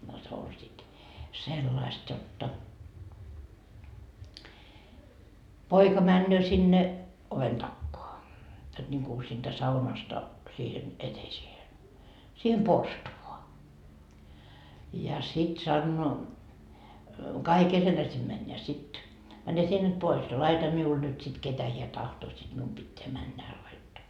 no se oli sitten sellaista jotta poika menee sinne oven takaa jotta niin kuin siitä saunasta siihen eteiseen siihen porstuaan ja sitten sanoo kaikille ketä sinne meni ja sitten mene sinä nyt pois ja laita minulle nyt sitten ketä hän tahtoo sitten minun pitää mennä hän laittaa